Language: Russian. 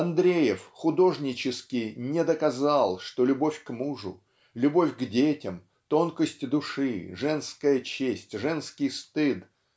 Андреев художнически не доказал что любовь к мужу любовь к детям тонкость души женская честь женский стыд